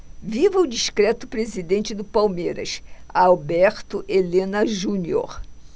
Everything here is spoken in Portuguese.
viva o discreto presidente do palmeiras alberto helena junior